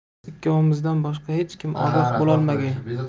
ikkovimizdan boshqa hech kim ogoh bo'lolmagay